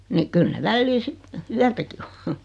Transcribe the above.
niin kyllä ne välillä sitten yötäkin on